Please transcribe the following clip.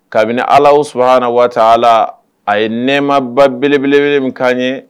Kabini Alahu subahana wataala a ye nɛmaba belebele min k'an ye